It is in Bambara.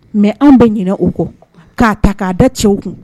Mɛ an bɛ ɲin u kɔ k'a ta k'a da cɛw kun